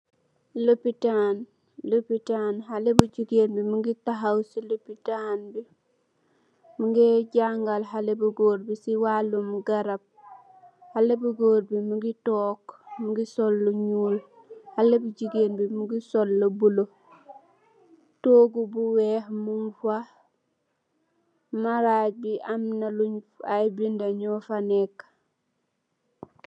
Lupitan haleh bu gigeen bi munge tahaw si lapitan bi munge jangal haleh bu goor bi si walum garaab haleh bu gigeen munge sul lu bula amna aye togu ak si maraj amna aye bindu yufa neka